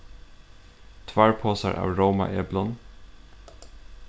tveir posar av rómaeplum